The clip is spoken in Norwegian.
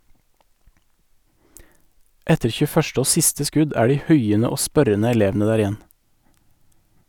Etter 21. og siste skudd er de huiende og spørrende elevene der igjen.